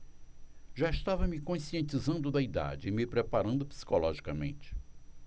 já estava me conscientizando da idade e me preparando psicologicamente